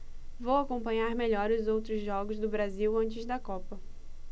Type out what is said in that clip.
vou acompanhar melhor os outros jogos do brasil antes da copa